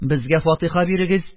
Безгә фатыйха бирегез,